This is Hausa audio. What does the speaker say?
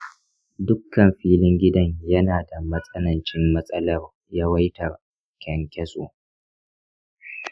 dukkan filin gidan yana da matsanancin matsalar yawaitar kyankyaso.